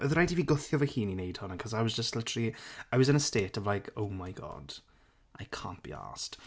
Oedd rhaid i fi gwythio fy hun i wneud hwnna because I was just literally... I was in a state of like "oh my god I can't be arsed".